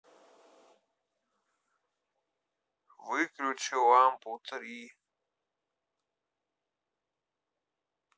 выключи лампу три